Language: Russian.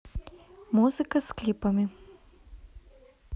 музыка с клипами